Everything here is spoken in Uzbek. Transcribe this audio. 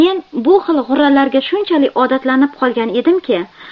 men bu xil g'urralarga shunchalik odatlanib qolgan edimki